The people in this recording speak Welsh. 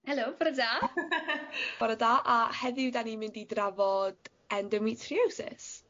Helo bore da. Bore da a heddiw 'dan ni'n mynd i drafod endometriosis.